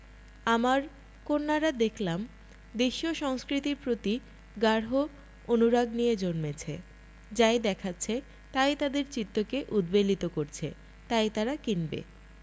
আমার কন্যারা দেখলাম দেশীয় সংস্কৃতির প্রতি গাঢ় অনুরাগ নিয়ে জন্মেছে যাই দেখাচ্ছে তাই তাদের চিত্তকে উদ্বেলিত করছে তাই তারা কিনবে